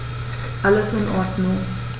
Alles in Ordnung.